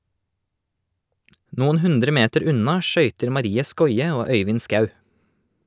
Noen hundre meter unna skøyter Marie Skoie og Øyvind Skaug.